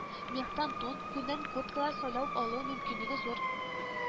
Мехтан тун, күннән курткалар сайлап алу мөмкинлеге зур